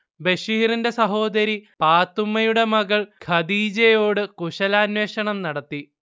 ബഷീറിന്റെ സഹോദരി പാത്തുമ്മയുടെ മകൾ ഖദീജയോട് കുശലാന്വേഷണം നടത്തി